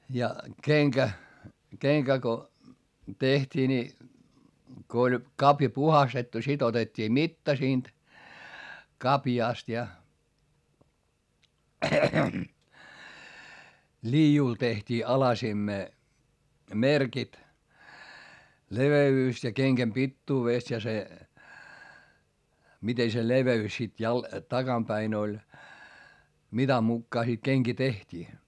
ja kenkä kenkä kun tehtiin niin kun oli kavio puhdistettu sitten otettiin mitta siitä kaviosta ja liidulla tehtiin alasimeen merkit leveys ja kengän pituudesta ja se miten se leveys sitten - takanapäin oli mitan mukaan sitten kenkiä tehtiin